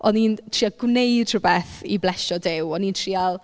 O'n i'n trio gwneud rhywbeth i blesio Duw. O'n i'n treial...